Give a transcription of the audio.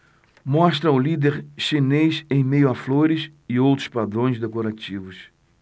mostra o líder chinês em meio a flores e outros padrões decorativos